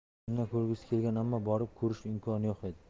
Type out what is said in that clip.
unda ko'rgisi kelgan ammo borib ko'rish imkoni yo'q edi